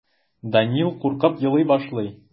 Данил куркып елый башлый.